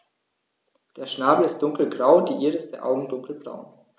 Der Schnabel ist dunkelgrau, die Iris der Augen dunkelbraun.